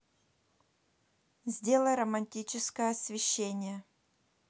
сделай романтичное освещение